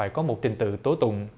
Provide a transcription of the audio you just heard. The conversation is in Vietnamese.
phải có một trình tự tố tụng